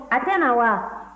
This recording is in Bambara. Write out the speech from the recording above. a tɛ na wa